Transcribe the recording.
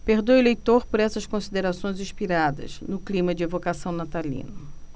perdoe o leitor por essas considerações inspiradas no clima de evocação natalino